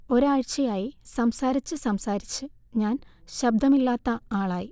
ഒരാഴ്ചയായി സംസാരിച്ച് സംസാരിച്ച് ഞാൻ ശബ്ദമില്ലാത്ത ആളായി